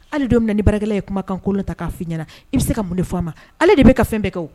Ali don min na ni baarakɛla ye kumakankolon ta k'a fɔ i ɲɛna , i bɛ se ka mun de fɔ ma ale de bɛ ka fɛn bɛɛ kɛ wo!